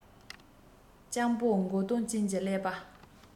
སྤྱང པོ མགོ སྟོང ཅན གྱི ཀླད པ